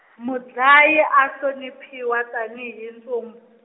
mudlayi a hloniphiwa tani hi ntsumbu.